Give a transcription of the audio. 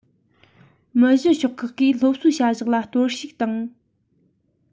མི བཞི ཤོག ཁག གིས སློབ གསོའི བྱ གཞག ལ གཏོར བཤིག བཏང